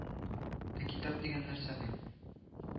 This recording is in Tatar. Ә китап дигән нәрсәнең